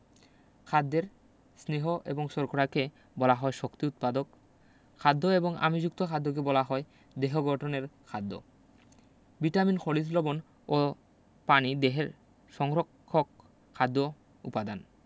খাদ্যের স্নেহ এবং শর্করাকে বলা হয় শক্তি উৎপাদক খাদ্য এবং আমিষযুক্ত খাদ্যকে বলা হয় দেহ গঠনের খাদ্য ভিটামিন খনিজ লবন ও পানি দেহ সংরক্ষক খাদ্য উপাদান